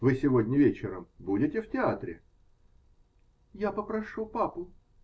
Вы сегодня вечером будете в театре? -- Я попрошу папу.